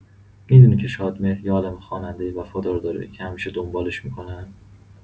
می‌دونی که شادمهر یه عالمه خواننده وفادار داره که همیشه دنبالش می‌کنن؟